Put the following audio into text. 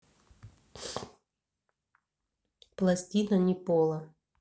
пластина не пола